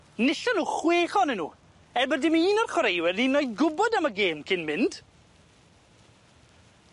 Nillon nw chwech oonyn nw, er bod dim un o'r chwaraewyr yd yn oed gwbod am y gêm cyn mynd.